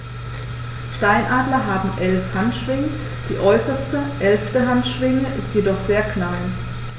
Steinadler haben 11 Handschwingen, die äußerste (11.) Handschwinge ist jedoch sehr klein.